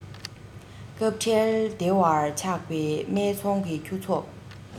སྐབས འཕྲལ བདེ བར ཆགས པའི སྨད འཚོང གི ཁྱུ ཚོགས